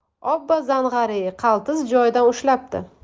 obbo zang'ar e qaltis joyidan ushlabdi